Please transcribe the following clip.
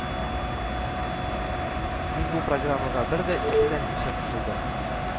Мин бу программага бер дә икеләнмичә кушылдым